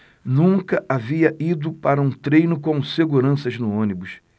nunca havia ido para um treino com seguranças no ônibus